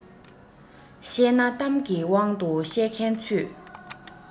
བཤད ན གཏམ གྱི དབང དུ བཤད མཁན ཚུད